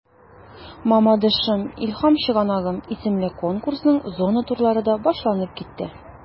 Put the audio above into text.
“мамадышым–илһам чыганагым” исемле конкурсның зона турлары да башланып китте.